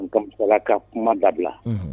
Kamisala ka kuma dabila